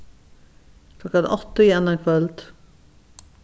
klokkan átta í annaðkvøld